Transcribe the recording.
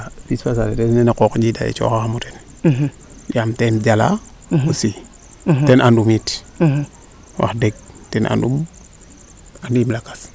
pis fa a sartes nene a qooq njindale coxaxamo ten yaam teen im jala aussi ten andum yit wax deg ten andum andiim lakas